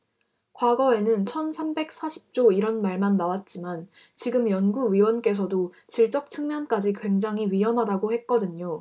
과거에는 천 삼백 사십 조 이런 말만 나왔지만 지금 연구위원께서도 질적 측면까지 굉장히 위험하다고 했거든요